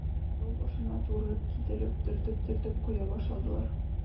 Тау башына туры китереп, төртеп-төртеп коя башладылар.